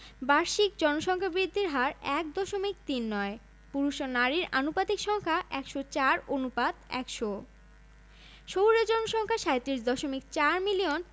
প্রধানত খাগড়াছড়ি বান্দরবান ও রাঙ্গামাটিসহ চট্টগ্রাম কক্সবাজার হবিগঞ্জ সিলেট সুনামগঞ্জ মৌলভীবাজার দিনাজপুর জয়পুরহাট রাজশাহী নওগাঁ রংপুর বগুড়া নবাবগঞ্জ